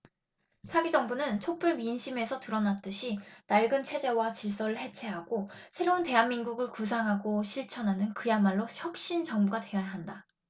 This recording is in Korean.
차기 정부는 촛불 민심에서 드러났듯이 낡은 체제와 질서를 해체하고 새로운 대한민국을 구상하고 실천하는 그야말로 혁신 정부가 돼야 한다